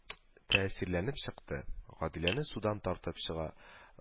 Тәэсирләнеп чыкты. гадиләне судан тартып чыга